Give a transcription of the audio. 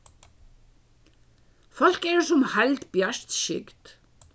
fólk eru sum heild bjartskygd